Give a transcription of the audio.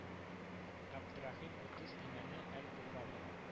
Габдерәхим Утыз Имәни әл-Болгари